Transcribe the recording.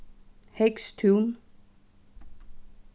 heygstún